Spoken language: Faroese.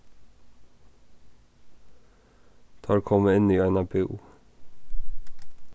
teir komu inn í eina búð